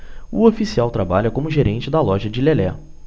o oficial trabalha como gerente da loja de lelé